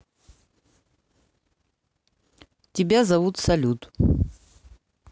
тебя зовут салют